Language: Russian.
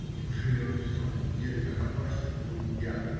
"Неужели он в самом деле так опасен? - думал я.